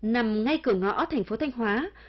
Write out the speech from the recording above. nằm ngay cửa ngõ thành phố thanh hóa